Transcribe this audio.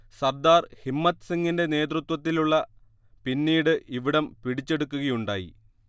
സർദാർ ഹിമ്മത്ത് സിങ്ങിന്റെ നേതൃത്വത്തിലുള്ള പിന്നീട് ഇവിടം പിടിച്ചെടുക്കുകയുണ്ടായി